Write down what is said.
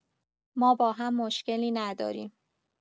ما با هم مشکلی نداریم.